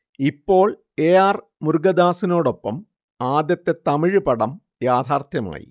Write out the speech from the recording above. ഇപ്പോൾ A R മുരുഗദാസിനോടൊപ്പം ആദ്യത്തെ തമിഴ് പടം യാഥാർഥ്യമായി